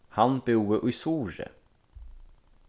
hann búði í suðuroy